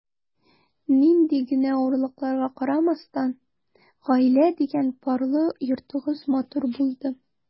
Нинди генә авырлыкларга карамастан, “гаилә” дигән парлы йортыгыз матур булды.